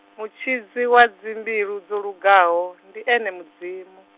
mutshidzi wa dzimbilu dzolugaho, ndi ene Mudzimu.